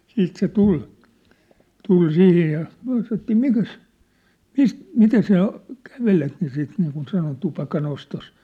sitten se tuli tuli siihen ja me sanottiin mikäs - mitä sinä kävelet ja siitä niin kuin sanon tupakanostossa sanoi se